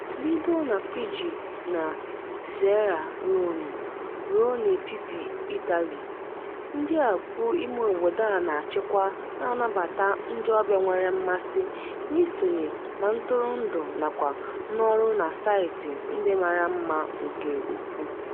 Bido na Fiji na Sierra Leone ruo n'etiti Italy, ndị a bụ imeobodo a na-achịkwa na-anabata ndị ọbịa nwere mmasị n'isonye na ntụrụndụ nakwa n'ọrụ na saịtị ndị mara mma nke ukwuu.